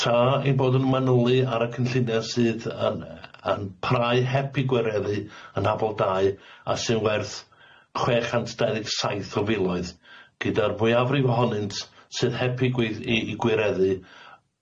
Tra ei bod yn manylu ar y cynllude sydd yn yy yn prae heb i gwireddu yn afol dau a sy'n werth chwe chant dau ddeg saith o filoedd gyda'r fwyafrif ohonynt sydd heb eu gwydd- i i gwireddu